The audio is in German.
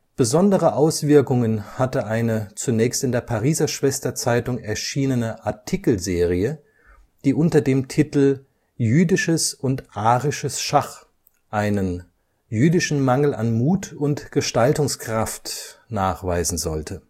Besondere Auswirkungen hatte eine zunächst in der Pariser Schwesterzeitung erschienene Artikelserie, die unter dem Titel „ Jüdisches und Arisches Schach “einen „ jüdischen Mangel an Mut und Gestaltungskraft “nachweisen sollte